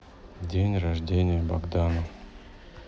день рождения богдана